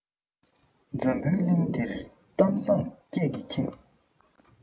འཛམ བུའི གླིང འདིར གཏམ བཟང སྐད ཀྱིས ཁེངས